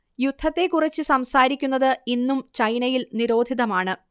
യുദ്ധത്തെക്കുറിച്ച് സംസാരിക്കുന്നത് ഇന്നും ചൈനയിൽ നിരോധിതമാണ്